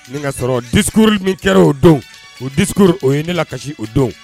Nin kasɔrɔ dikkururi min kɛra oo don o dikkururi o ye ne la kasisi o don